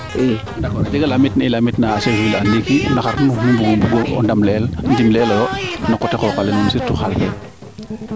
d' accord a jega laamit ne i laamit na a chef du village ndiiki no xar nu mbugu mbugu ndimle eloyo no coté qoqale surtout xaal fe